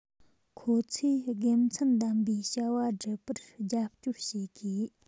ཁོ ཚོས དགེ མཚན ལྡན པའི བྱ བ སྒྲུབ པར རྒྱབ སྐྱོར བྱེད དགོས